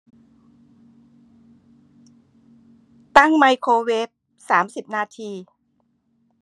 ตั้งไมโครเวฟสามสิบนาที